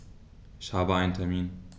Ich habe einen Termin.